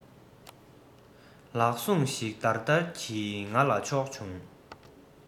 ལག ཟུང ཞིག འདར འདར གྱིས ང ལ ཕྱོགས བྱུང